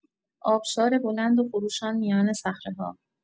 آبشار بلند و خروشان میان صخره‌ها